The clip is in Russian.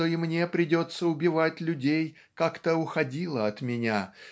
что и мне придется убивать людей как-то уходила от меня.